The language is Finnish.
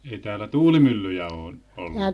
ei täällä tuulimyllyjä ole ollut